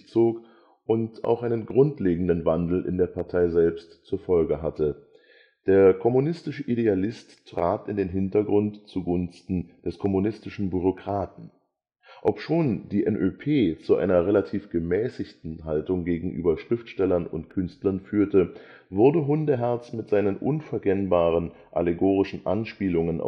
zog und auch einen grundlegenden Wandel in der Partei selbst zur Folge hatte: Der kommunistische Idealist trat in den Hintergrund zugunsten des kommunistischen Bürokraten. Obschon die NÖP zu einer relativ gemäßigten Haltung gegenüber Schriftstellern und Künstlern führte, wurde Hundeherz, mit seinen unverkennbaren allegorischen Anspielungen